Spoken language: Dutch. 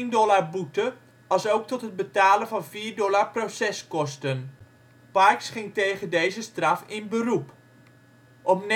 dollar boete, alsook tot het betalen van $ 4 proceskosten. Parks ging tegen deze straf in beroep. Op